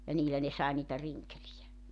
ja niillä ne sai niitä rinkeleitä